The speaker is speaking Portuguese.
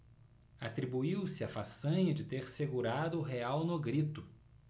atribuiu-se a façanha de ter segurado o real no grito